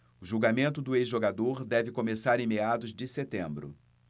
o julgamento do ex-jogador deve começar em meados de setembro